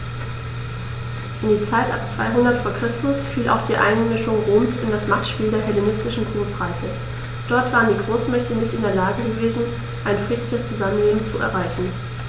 In die Zeit ab 200 v. Chr. fiel auch die Einmischung Roms in das Machtspiel der hellenistischen Großreiche: Dort waren die Großmächte nicht in der Lage gewesen, ein friedliches Zusammenleben zu erreichen.